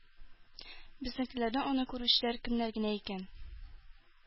Безнекеләрдән аны күрүчеләр кемнәр генә икән?